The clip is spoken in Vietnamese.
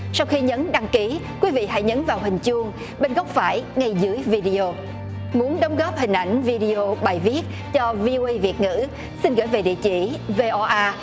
sau khi nhấn đăng ký quý vị hãy nhấn vào hình chuông bên góc phải ngay dưới vi đi ô muốn đóng góp hình ảnh vi đi ô bài viết cho vi o uây việt ngữ xin gửi về địa chỉ vê o a